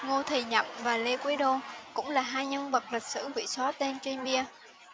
ngô thì nhậm và lê quý đôn cũng là hai nhân vật lịch sử bị xóa tên trên bia